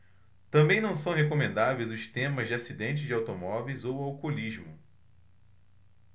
também não são recomendáveis os temas de acidentes de automóveis ou alcoolismo